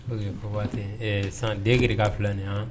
Ok faut pas tɛ yen ɛɛ, sisan , den kɛlen i ko a filan.